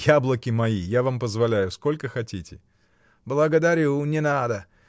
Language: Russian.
— Яблоки мои: я вам позволяю, сколько хотите. — Благодарю: не надо